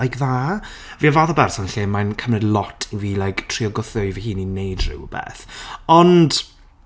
Like that. Fi'r fath o berson lle mae'n cymryd lot i fi like trio gwthio i fy hun i wneud rhywbeth ond...